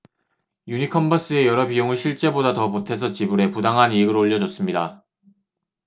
유니컨버스에 여러 비용을 실제보다 더 보태서 지불해 부당한 이익을 올려줬습니다